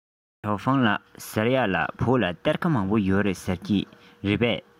ཞའོ ཧྥུང ལགས ཟེར ཡས ལ བོད ལ གཏེར མང པོ ཡོད རེད ཟེར གྱིས རེད པས